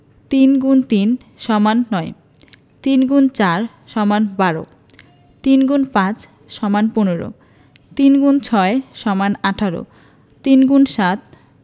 ৩ × ৩ = ৯ ৩ X ৪ = ১২ ৩ X ৫ = ১৫ ৩ x ৬ = ১৮ ৩ × ৭